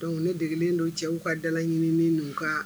Dɔnku ne de don cɛ u ka dala ɲiniini ninnu ka